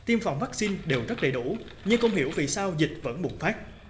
tiêm phòng vắc xin đều rất đầy đủ nhưng không hiểu vì sao dịch vẫn bùng phát